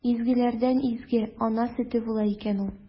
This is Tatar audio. Изгеләрдән изге – ана сөте була икән ул!